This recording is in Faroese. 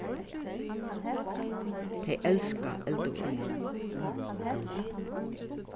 tey elska elduvík